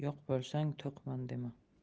yo'q bo'lsang to'qman dema